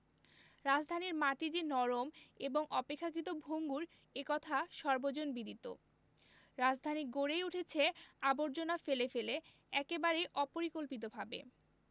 রাজধানীর মাটি যে নরম এবং অপেক্ষাকৃত ভঙ্গুর এ কথা সর্বজনবিদিত রাজধানী গড়েই উঠেছে আবর্জনা ফেলে ফেলে একেবারেই অপরিকল্পিতভাবে